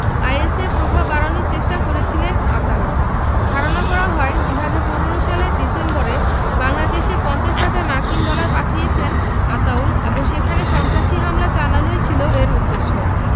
আইএসের প্রভাব বাড়ানোর চেষ্টা করছিলেন আতাউল ধারণা করা হয় ২০১৫ সালের ডিসেম্বরে বাংলাদেশে ৫০ হাজার মার্কিন ডলার পাঠিয়েছিলেন আতাউল এবং সেখানে সন্ত্রাসী হামলা চালানোই ছিল এর উদ্দেশ্য